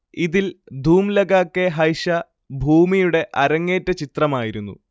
ഇതിൽ 'ധൂം ലഗ കെ ഹൈഷ' ഭൂമിയുടെ അരങ്ങേറ്റ ചിത്രമായിരുന്നു